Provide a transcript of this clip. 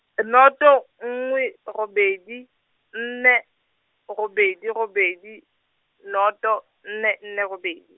nnoto, nngwe, robedi, nne, robedi robedi, nnoto, nne nne robedi.